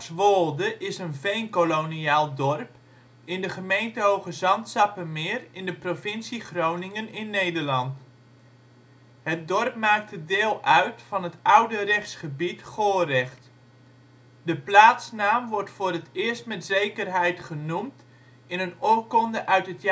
Wolle) is een veenkoloniaal dorp in de gemeente Hoogezand-Sappemeer in de provincie Groningen in Nederland. Het dorp maakte deel uit van het oude rechtsgebied Gorecht. De plaatsnaam wordt voor het eerst met zekerheid genoemd in een oorkonde uit